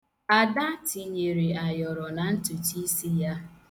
Ada tinyere ayọrọ na ntụtụisi ya.